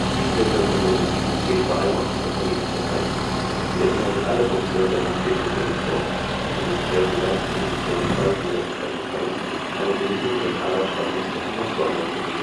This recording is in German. Diese Version von Windows 7 zielt vor allem auf den Unternehmensbereich. Sie beinhaltet alle Funktionen der Home Premium Edition, und besitzt, wie auch die weiteren Editionen Ultimate und Enterprise, eine Limitierung des Arbeitsspeichers von 192 GB